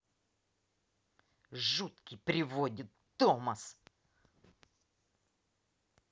жуткий проводит томас